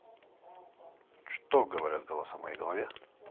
что говорят голоса в моей голове